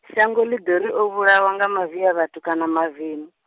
shango ḽi ḓo ri o vhulawa nga maviavhathu kana mavemu.